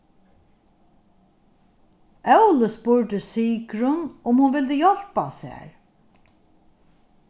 óli spurdi sigrun um hon vildi hjálpa sær